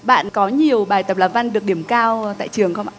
bạn có nhiều bài tập làm văn được điểm cao ơ tại trường không ạ